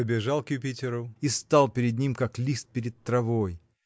подбежал к Юпитеру и стал перед ним как лист перед травой.